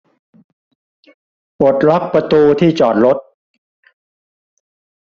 ปลดล็อกประตูที่จอดรถ